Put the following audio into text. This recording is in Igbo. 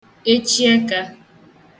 echieka